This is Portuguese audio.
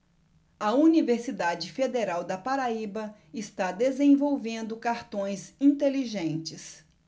a universidade federal da paraíba está desenvolvendo cartões inteligentes